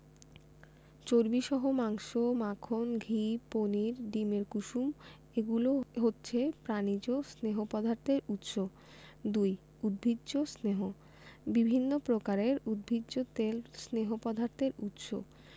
চর্বিসহ মাংস মাখন ঘি পনির ডিমের কুসুম এগুলো হচ্ছে প্রাণিজ স্নেহ পদার্থের উৎস ২. উদ্ভিজ্জ স্নেহ বিভিন্ন প্রকারের উদ্ভিজ তেল স্নেহ পদার্থের উৎস